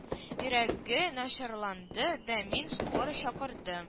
Йөрәге начарланды да мин скорый чакырдым